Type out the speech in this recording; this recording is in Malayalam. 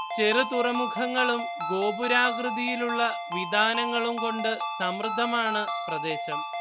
ചെറുതുറമുഖങ്ങളും ഗോപുരാകൃതിയിലുള്ള വിതാനങ്ങളും കൊണ്ട് സമൃദ്ധമാണ് പ്രദേശം